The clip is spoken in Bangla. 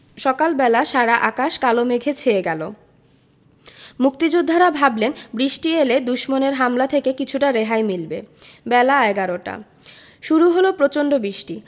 সকাল বেলা সারা আকাশ কালো মেঘে ছেয়ে গেল মুক্তিযোদ্ধারা ভাবলেন বৃষ্টি এলে দুশমনের হামলা থেকে কিছুটা রেহাই মিলবে বেলা এগারোটা শুরু হলো প্রচণ্ড বৃষ্টি